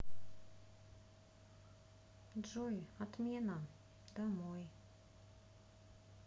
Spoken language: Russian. джой отмена домой